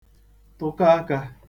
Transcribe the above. tụkọ aka